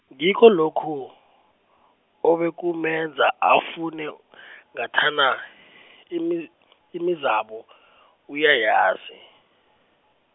ngikho lokhu, obekumenza afune , ngathana , imi- imizabo , uyayazi.